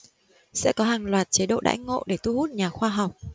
sẽ có hàng loạt chế độ đãi ngộ để thu hút nhà khoa học